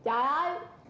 chời ơi